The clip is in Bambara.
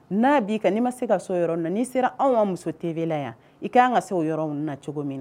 N'a b'i ka n'i ma se ka so yɔrɔ na n'i sera anw ka muso tɛbela yan i ka' kanan ka se o yɔrɔ na cogo min na